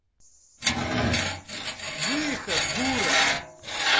выход дура